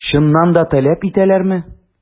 Чыннан да таләп итәләрме?